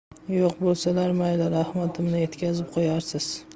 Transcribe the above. yo'q bo'lsalar mayli rahmatimni yetkazib qo'yarsiz